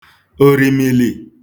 òrìmìlì